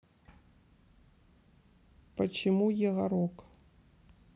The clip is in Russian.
почему егорок